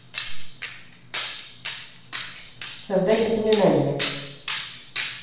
создать напоминание